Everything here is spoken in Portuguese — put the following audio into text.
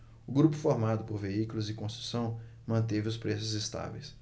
o grupo formado por veículos e construção manteve os preços estáveis